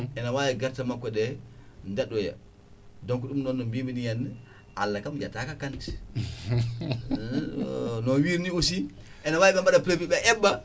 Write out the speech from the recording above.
ene wawi guerte makko ɗe daaɗoya donc ɗum noon no mbimi ni henna Allah kam yetta kante no wirini aussi ene wawi ɓe mbaɗa prévu ɓe eɓɓa